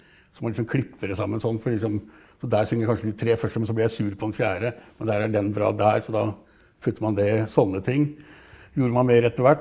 så man liksom klipper det sammen sånn fordi liksom så der synger kanskje de tre første, men så bli jeg sur på den fjerde og der er den bra der så da putter man det sånne ting gjorde man mer etter hvert.